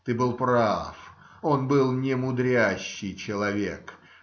Ты был прав, он был немудрящий человек.